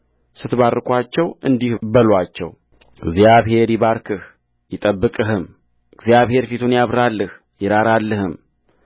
ስትባርኩአቸው እንዲህ በሉአቸውእግዚአብሔር ይባርክህ ይጠብቅህምእግዚአብሔር ፊቱን ያብራልህ ይራራልህም